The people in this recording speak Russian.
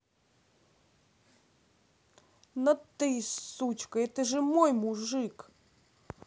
но ты и сучка это же мой мужик